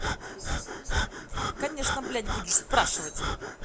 конечно блядь будешь спрашивать